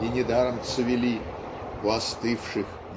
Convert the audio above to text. -- и недаром цвели "у остывших